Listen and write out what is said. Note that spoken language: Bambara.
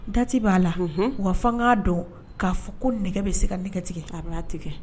Dati b'a la wafan' dɔn k'a fɔ ko nɛgɛ bɛ se ka nɛgɛtigɛ ka tigɛ